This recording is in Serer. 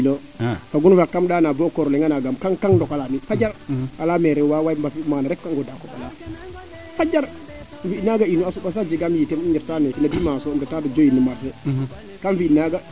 ndigiloo fagun faak kam ndaana bo kooro leŋ a naanam kang kang ndokalaa mi fajar a leeyame rawa mbay mbafit maana rek a ndeta koɓalaa fajar im fi naaga inu a soɓa sax jegaan yite i ndeta nene no Diamanche ndeta no Dioyin marché kam fi naaga